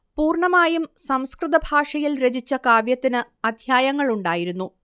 പൂർണ്ണമായും സംസ്കൃതഭാഷയിൽ രചിച്ച കാവ്യത്തിനു അദ്ധ്യായങ്ങൾ ഉണ്ടായിരുന്നു